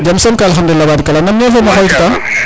jam som kay alkhamdoulilah